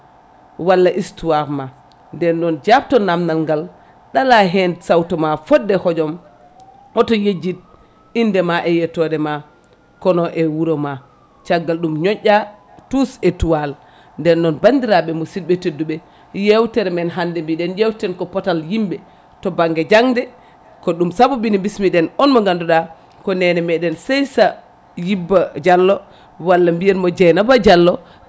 walla histoire ma nden noon jaabto namdal ngal ɗala hen sawto ma fodde hoojom oto yejjid indema e yettode ma kono e wuuro ma caggal ɗum ñoƴƴa touche étoile nden noon bandiraɓe musidɓe tedduɓe yewtere men hande mbiɗen jewteten ko pootal yimɓe to banggue jangde ko ɗum sabobini ko bismiɗen on mo ganduɗa ko nenemeɗen Seysayuba Diallo walla mbiyenmo Dieynaba Diallo